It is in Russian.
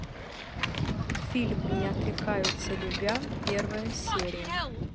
фильм не отрекаются любя первая серия